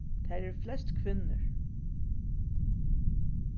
tær eru flest kvinnur